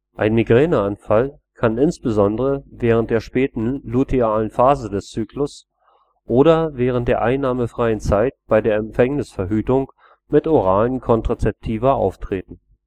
Ein Migräneanfall kann insbesondere während der späten lutealen Phase des Zyklus oder während der einnahmefreien Zeit bei der Empfängnisverhütung mit oralen Kontrazeptiva auftreten